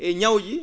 e ñawuuji